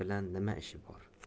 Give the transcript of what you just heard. bilan nima ishi bor